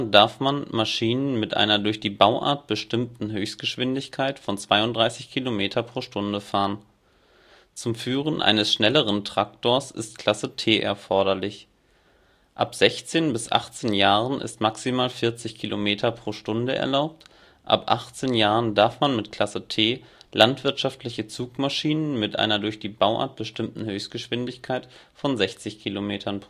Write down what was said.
darf man Maschinen mit einer durch die Bauart bestimmten Höchstgeschwindigkeit bis 32 km/h fahren. Zum Führen eines schnelleren Traktors ist Klasse T erforderlich. Ab 16 Jahren bis 18 Jahren ist maximal 40 km/h erlaubt. Ab 18 darf man mit der Klasse T landwirtschaftliche Zugmaschinen mit einer durch die Bauart bestimmten Höchstgeschwindigkeit von 60 km/h fahren